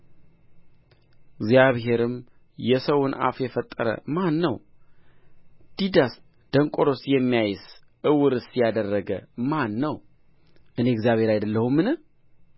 እግዚአብሔርም የሰውን አፍ የፈጠረ ማን ነው ዲዳስ ደንቆሮስ የሚያይስ ዕውርስ ያደረገ ማን ነው እኔ እግዚአብሔር አይደለሁምን